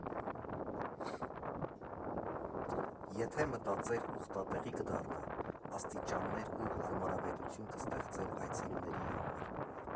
Եթե մտածեր՝ ուխտատեղի կդառնա, աստիճաններ ու հարմարավետություն կստեղծեր այցելուների համար։